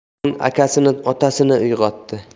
so'ng akasini otasini uyg'otdi